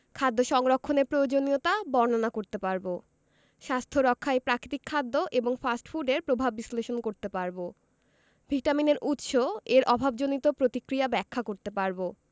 খাদ্য সংরক্ষণের প্রয়োজনীয়তা বর্ণনা করতে পারব স্বাস্থ্য রক্ষায় প্রাকৃতিক খাদ্য এবং ফাস্ট ফুডের প্রভাব বিশ্লেষণ করতে পারব ভিটামিনের উৎস এর অভাবজনিত প্রতিক্রিয়া ব্যাখ্যা করতে পারব